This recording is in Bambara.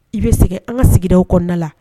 I bɛ segin an ka sigidaw kɔnɔnada la